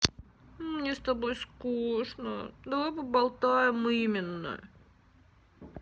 мне с тобой скучно давай поболтаем именно